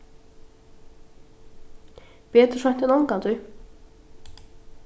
betur seint enn ongantíð